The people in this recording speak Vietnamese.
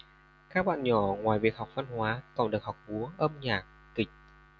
các bạn nhỏ ngoài việc học văn hóa còn được học múa âm nhạc kịch